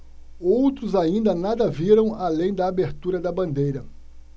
outros ainda nada viram além da abertura da bandeira